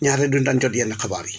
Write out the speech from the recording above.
ñaare duñ daan jot yenn xibaar yi